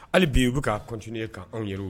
Hali bi u bɛ ka kunt ye' anw yɛrɛ